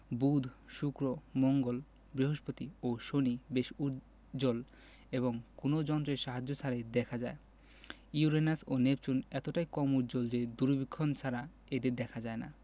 বুধ শুক্র মঙ্গল বৃহস্পতি ও শনি বেশ উজ্জ্বল এবং কোনো যন্ত্রের সাহায্য ছাড়াই দেখা যায় ইউরেনাস ও নেপচুন এতটা কম উজ্জ্বল যে দূরবীক্ষণ ছাড়া এদের দেখা যায় না